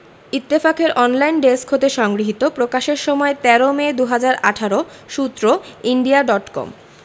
ইত্তেফাক এর online desk হতে সংগৃহীত প্রকাশের সময় ১৩ মে ২০১৮ সূত্র ইন্ডিয়া ডট কম